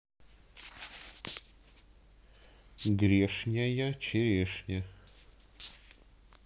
грешняя черешня